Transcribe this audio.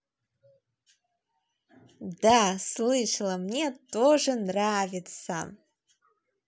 да слышала мне тоже нравится